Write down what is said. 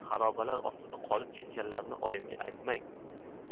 xarobalar ostida qolib ketganlarini oyimga aytmang